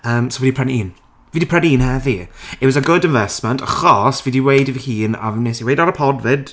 Yym so fi 'di prynu un. Fi 'di prynu un heddi. It was a good investment, achos fi 'di weud i fy hun, a wnes i weud ar y pod 'fyd...